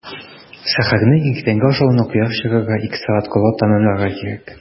Сәхәрне – иртәнге ашауны кояш чыгарга ике сәгать кала тәмамларга кирәк.